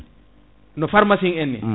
no pharmacie en ni